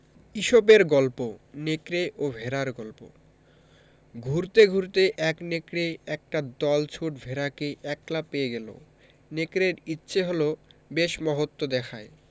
ইসপের গল্প নেকড়ে ও ভেড়ার গল্প ঘুরতে ঘুরতে এক নেকড়ে একটা দলছুট ভেড়াকে একলা পেয়ে গেল নেকড়ের ইচ্ছে হল বেশ মহত্ব দেখায়